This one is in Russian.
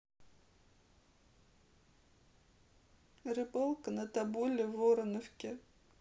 рыбалка на тоболе в вороновке